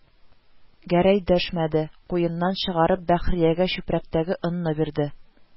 Гәрәй дәшмәде, куеныннан чыгарып Бәхриягә чүпрәктәге онны бирде